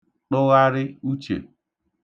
ṭụgharị uchè